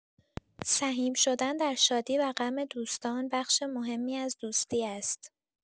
سهیم شدن در شادی و غم دوستان بخش مهمی از دوستی است.